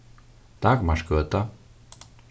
dagmarsgøta